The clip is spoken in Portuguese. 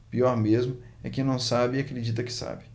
pior mesmo é quem não sabe e acredita que sabe